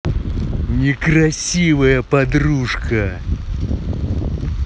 некрасивая подружка